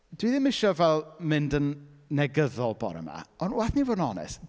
Dwi ddim isie, fel, mynd yn negyddol bore 'ma, ond waeth ni fod yn onest.